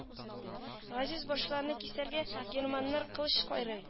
Газиз башларны кисәргә германнар кылыч кайрый